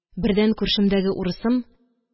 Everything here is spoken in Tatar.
Бердән күршемдәге урысым